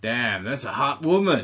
Dam, that's a hot woman!